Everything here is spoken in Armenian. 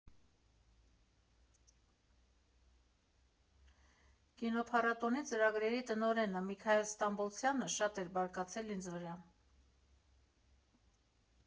«Կինոփառատոնի ծրագրերի տնօրենը՝ Միքայել Ստամբոլցյանը, շատ էր բարկացել ինձ վրա։